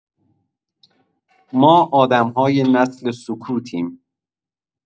ما آدم‌های نسل سکوتیم!